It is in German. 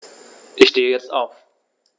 Ich stehe jetzt auf.